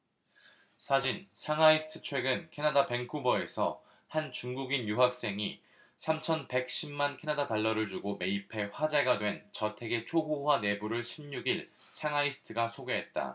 사진 상하이스트최근 캐나다 밴쿠버에서 한 중국인 유학생이 삼천 백 십 만 캐나다 달러를 주고 매입해 화제가 된 저택의 초호화 내부를 십 육 일 상하이스트가 소개했다